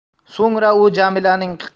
so'ngra u jamilaning qiqir